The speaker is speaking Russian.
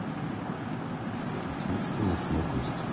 шуфутинский ночной гость